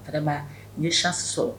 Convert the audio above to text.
u ye chance sɔrɔ.